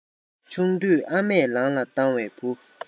ཆུང དུས ཨ མས ལང ལ བཏང བའི བུ